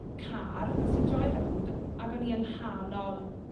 car, nes i droi rownd ag o'n i yng nghanol